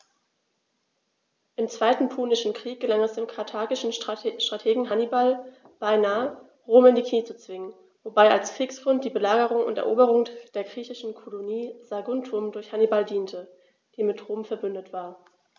Im Zweiten Punischen Krieg gelang es dem karthagischen Strategen Hannibal beinahe, Rom in die Knie zu zwingen, wobei als Kriegsgrund die Belagerung und Eroberung der griechischen Kolonie Saguntum durch Hannibal diente, die mit Rom „verbündet“ war.